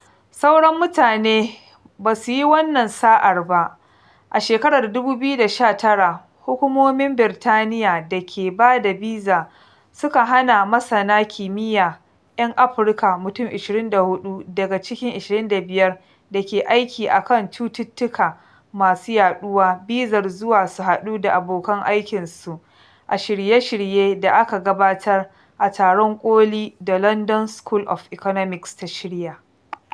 Sauran mutane ba su yi wannan sa'ar ba. A shekarar 2019, hukumomin Birtaniya da ke ba da biza suka hana masana kimiyya 'yan afirka mutum 24 daga cikin 25 da ke aiki a kan cututtuka masu yaɗuwa bizar zuwa su haɗu da abokan aikinsu a shirye-shirye da aka gabatar a taron ƙoli da London School of Economics ta shirya.